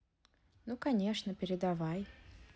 ну конечно передавай